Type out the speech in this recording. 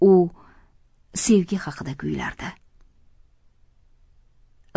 u sevgi haqida kuylardi